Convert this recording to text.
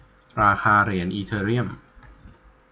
ราคาเหรียญอีเธอเรียม